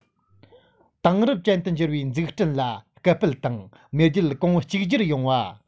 དེང རབས ཅན དུ འགྱུར བའི འཛུགས སྐྲུན ལ སྐུལ སྤེལ དང མེས རྒྱལ གོང བུ གཅིག གྱུར ཡོང བ